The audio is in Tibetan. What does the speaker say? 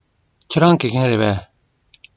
ཁྱེད རང དགེ རྒན རེད པས